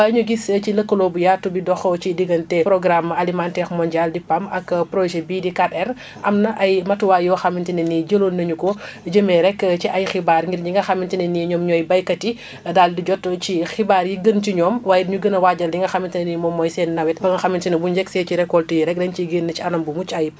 waaye ñu gis ci lëkkaloo bi yaatu bi dox ci diggante programme alimentaire mondial di PAM ak projet bii di 4R am na ay matuwaay yoo xamante ne nii jëloon nañu ko jëmee rek ci ay xibaar nit ñi nga xamante ne nii ñoom ñooy béykat yi daal di jot ci xibaar yi gën ci ñoomwaaye it ñu gën a waajal li nga xamante ne nii moom mooy seen nawet ba nga xamante ne bu ñu yegg see ci récolte yi rek dañ ciy génn ci anam bu mucc ayib